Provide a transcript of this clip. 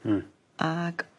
Hmm. ...ag